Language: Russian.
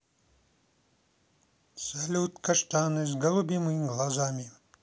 салют каштаны с голубыми глазами